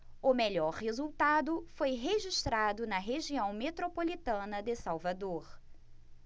o melhor resultado foi registrado na região metropolitana de salvador